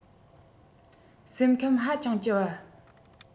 སེམས ཁམས ཧ ཅང ལྕི བ